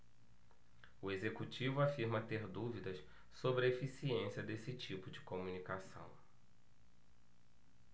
o executivo afirma ter dúvidas sobre a eficiência desse tipo de comunicação